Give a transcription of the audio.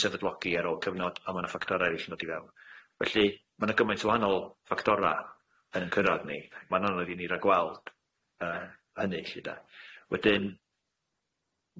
sefydlogi ar ôl cyfnod a ma' na ffactora' eryll yn dod i fewn felly ma' na gymaint o wahanol ffactora yn yn cyrradd ni ma'n anodd i ni ragweld yy hynny elly de wedyn,